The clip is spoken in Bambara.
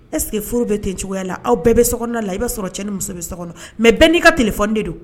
Ɛseke furu bɛ ten cogoyaya la aw bɛɛ bɛ so kɔnɔ la i b'a sɔrɔ cɛ ni muso bɛ so kɔnɔ mɛ bɛn n'i ka t tile fɔde do